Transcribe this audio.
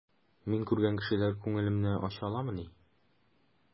Мин күргән кешеләр күңелемне ача аламыни?